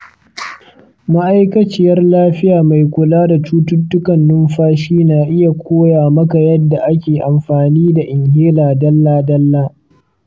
ma’aikaciyar lafiya mai kula da cututtukan numfashi na iya koya maka yadda ake amfani da inhaler dalla-dalla.